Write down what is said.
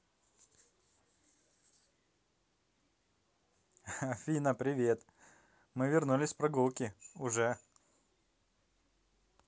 афина привет мы вернулись из прогулки уже